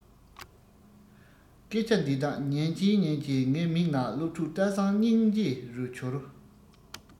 སྐད ཆ འདི དག ཉན གྱིན ཉན གྱིན ངའི མིག ནང སློབ ཕྲུག བཀྲ བཟང སྙིང རྗེ རུ གྱུར